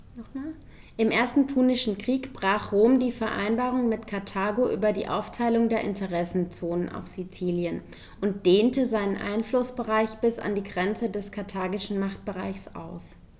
Im Ersten Punischen Krieg brach Rom die Vereinbarung mit Karthago über die Aufteilung der Interessenzonen auf Sizilien und dehnte seinen Einflussbereich bis an die Grenze des karthagischen Machtbereichs aus.